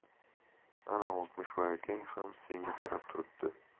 ana oltmishvoy akang ham senga qarab turibdi